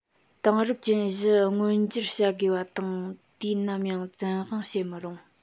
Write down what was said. དེང རབས ཅན བཞི མངོན འགྱུར བྱ དགོས པ དང དུས ནམ ཡང བཙན དབང བྱེད མི རུང